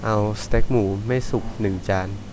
เอาสเต็กหมูไม่สุกหนึ่งจาน